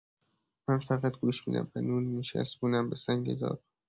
من فقط گوش می‌دم و نون می‌چسبونم به سنگ داغ.